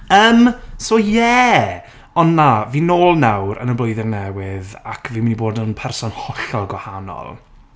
Yym, so ie. Ond na, fi nôl nawr yn y blwyddyn newydd ac fi'n mynd i bod yn person hollol gwahanol.